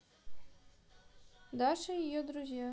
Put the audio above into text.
даша и ее друзья